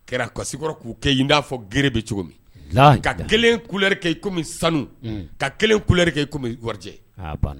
Kɛra kasisikɔrɔ k'u kɛ in n'a fɔ girin bɛ cogo min ka kelen kuɛrekɛ i komi sanu ka kelen kulɛɛrike i komijɛ